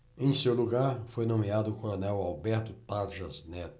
em seu lugar foi nomeado o coronel alberto tarjas neto